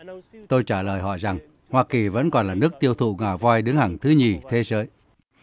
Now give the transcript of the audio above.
tôi trả lời họ rằng hoa kỳ vẫn còn là nước tiêu thụ ngà voi đứng hàng thứ nhì thế giới